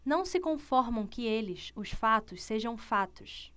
não se conformam que eles os fatos sejam fatos